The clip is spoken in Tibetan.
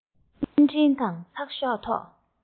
བརྙན འཕྲིན དང ཚགས ཤོག ཐོག